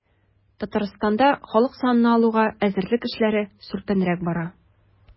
Татарстанда халык санын алуга әзерлек эшләре сүлпәнрәк бара.